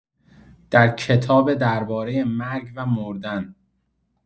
در کتاب درباره مرگ و مردن